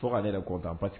Sokɛ a yɛrɛ kɔ